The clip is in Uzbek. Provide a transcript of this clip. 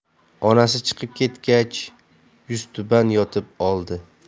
onasi chiqib ketgach yuztuban yotib oldi